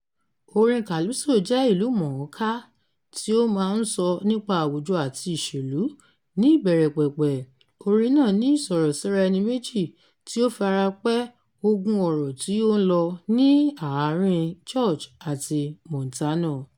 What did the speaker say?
Orin calypso jẹ́ ìlúmọ̀nánká tí ó máa ń sọ nípa àwùjọ àti ìṣèlú, ní ìbẹ̀rẹ̀ pẹ̀pẹ̀ orin náà ni ìsọ̀rọ̀ síra ẹni méjì tí ó fi ara pẹ́ ogun ọ̀rọ̀ tí ó ń lọ ní àárín-in George àti Montano.